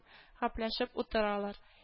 Гәпләшеп утыралар